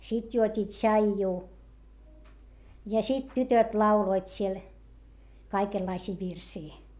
sitten juotiin tsaijua ja sitten tytöt lauloivat siellä kaikenlaisia virsiä